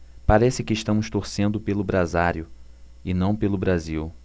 parece que estamos torcendo pelo brasário e não pelo brasil